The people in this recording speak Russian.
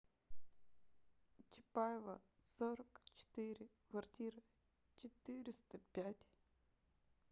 чапаева сорок четыре квартира четыреста пять